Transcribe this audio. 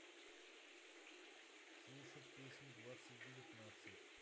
слушать песни двадцать девятнадцать